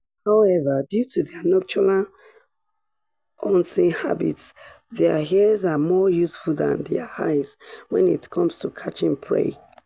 However, due to their nocturnal hunting habits their ears are more useful than their eyes when it comes to catching prey.